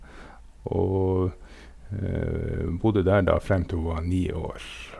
Og bodde der, da, frem til hun var ni år.